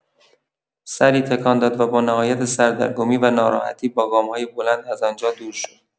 سری تکان داد و با نهایت سردرگمی و ناراحتی با گام‌های بلند از آن‌جا دور شد.